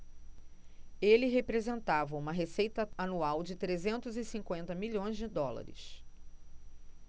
ele representava uma receita anual de trezentos e cinquenta milhões de dólares